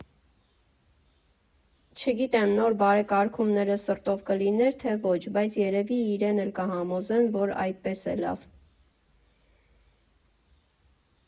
Չգիտեմ՝ նոր բարեկարգումները սրտով կլիներ, թե ոչ, բայց երևի իրեն էլ կհամոզեին, որ այդպես է լավ։